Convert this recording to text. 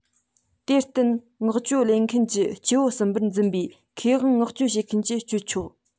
དེར བརྟེན མངགས བཅོལ ལེན མཁན གྱིས སྐྱེ བོ གསུམ པར འཛིན པའི ཁེ དབང མངགས བཅོལ བྱེད མཁན གྱིས སྤྱད ཆོག